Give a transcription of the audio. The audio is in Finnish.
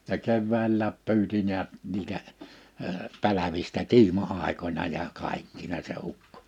ja keväällä pyysi näet niitä - pälvistä kiima-aikoina ja kaikkina se ukko